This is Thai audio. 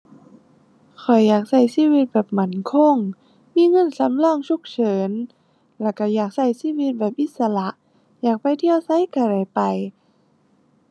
ข้อยอยากใช้ชีวิตแบบมั่นคง มีเงินสำรองฉุกเฉิน แล้วใช้อยากใช้ชีวิตแบบอิสระ อยากไปเที่ยวไสใช้ได้ไป